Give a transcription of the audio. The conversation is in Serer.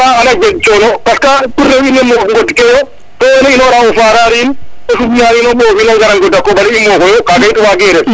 xana jeg cono parce que wiin we ŋodke yo to wena inora o Farare in a Sumnan in o Mbofin a ngara ŋodida koɓale i moofoyo kaga and wage ref